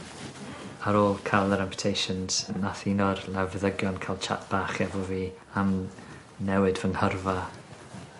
ar ôl ca'l o'r amputations nath un o'r lawfeddygon ca'l chat bach efo fi am newid fy nghyrfa.